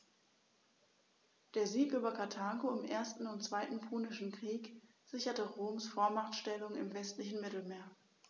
Der Sieg über Karthago im 1. und 2. Punischen Krieg sicherte Roms Vormachtstellung im westlichen Mittelmeer.